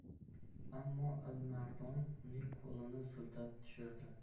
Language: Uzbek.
ammo alimardon uning qo'lini siltab tushirdi